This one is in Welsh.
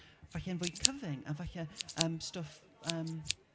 falle'n fwy cyfyng. A falle yym, stwff yym...